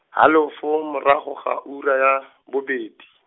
halofo morago ga ura ya, bobedi.